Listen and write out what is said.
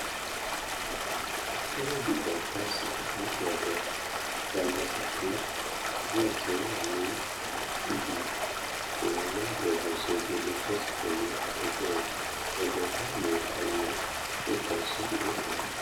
Sturridge gba páàsì láti ọ̀dọ̀ Xherdan Shakiri nígbà tí ó wà ní bíi ìwọ̀n yáàdì ọgbọ̀n sí ojú ilé Chelsea pẹ̀lú akẹgbẹ́ rẹ̀ tí wọ́n jọ́ gbá àmì ayò 1-0.